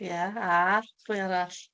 Ie, a? Pwy arall?